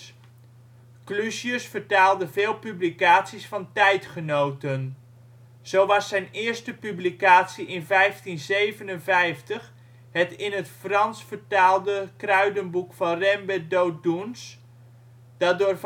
Clusius vertaalde veel publicaties van tijdgenoten. Zo was zijn eerste publicatie in 1557 het in het Frans vertaalde kruidenboek van Rembert Dodoens, dat door